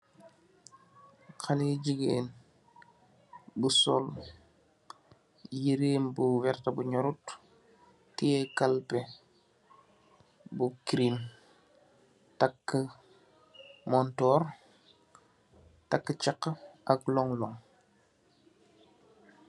Haleh yu gigain, bu sol yehrem bu vertah bu njorut, tiyeh kalpeh bu cream, takue montorre, takue chaakah ak long long.